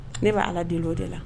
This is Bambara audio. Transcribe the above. Ne b bɛ ala deli o de la